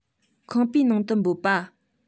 ཁང པའི ནང དུ འབོད པ